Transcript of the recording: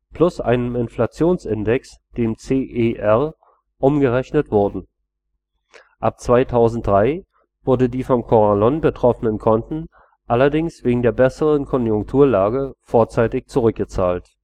plus einem Inflationsindex, dem CER, umgerechnet wurden. Ab 2003 wurden die vom Corralón betroffenen Konten allerdings wegen der besseren Konjunkturlage vorzeitig zurückgezahlt